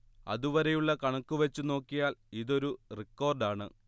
അതുവരെയുള്ള കണക്കു വച്ചു നോക്കിയാൽ ഇതൊരു റിക്കോർഡാണ്